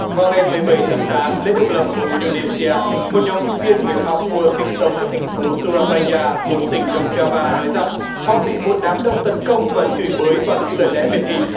vào ngày mười bảy tháng tám lễ độc lập của in đô nê si a một nhóm sinh viên người ba bua sinh sống tại thành phố su ra bay a của tỉnh đồng trà và nói rằng họ bị một đám đông tấn công và chửi bới bằng những lời lẽ miệt thị